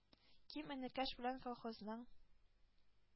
Ким энекәш белән колхозның